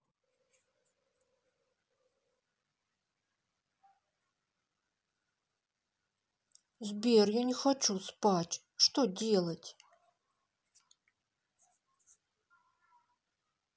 сбер я не хочу спать что делать